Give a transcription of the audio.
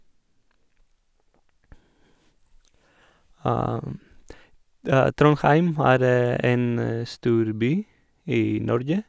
Trondheim er en stor by i Norge.